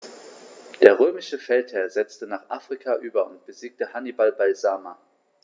Der römische Feldherr setzte nach Afrika über und besiegte Hannibal bei Zama.